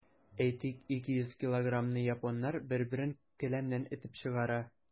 Әйтик, 200 килограммлы японнар бер-берен келәмнән этеп чыгара.